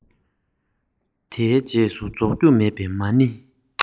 དེའི རྗེས སུ རྫོགས རྒྱུ མེད པའི མ ཎིའི